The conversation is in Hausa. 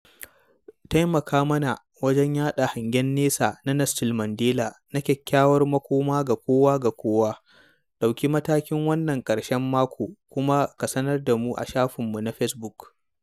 Taimaka mana wajen yaɗa hangen nesa na Nelson Mandela na kyakkyawar makoma ga kowa da kowa, ɗauki mataki wannan ƙarshen mako, kuma ka sanar da mu a Shafinmu na Facebook.